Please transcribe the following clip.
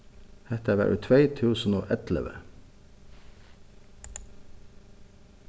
hetta var í tvey túsund og ellivu